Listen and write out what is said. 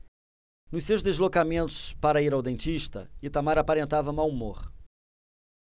nos seus deslocamentos para ir ao dentista itamar aparentava mau humor